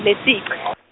lesigci.